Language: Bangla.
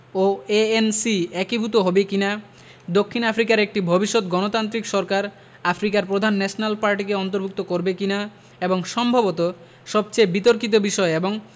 ও এএনসি একীভূত হবে কি না দক্ষিণ আফ্রিকার একটি ভবিষ্যৎ গণতান্ত্রিক সরকার আফ্রিকার প্রধান ন্যাশনাল পার্টিকে অন্তর্ভুক্ত করবে কি না এবং সম্ভবত সবচেয়ে বিতর্কিত বিষয় এবং